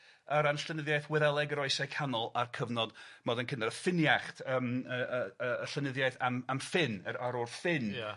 o ran llenyddiaeth Wyddaleg yr Oesau Canol a'r cyfnod modern cynnar Ffiniacht yym yy yy y llenyddiaeth am am Ffinn, yr arwr Ffinn. Ia.